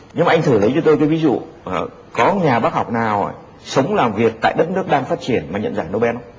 nhưng anh thử lấy cho tôi cái ví dụ ở có nhà bác học nào sống làm việc tại đất nước đang phát triển mờ nhận giải nô ben không